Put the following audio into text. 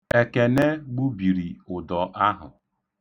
Ekene gbubiri ụdọ ahụ.